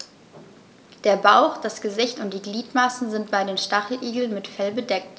Der Bauch, das Gesicht und die Gliedmaßen sind bei den Stacheligeln mit Fell bedeckt.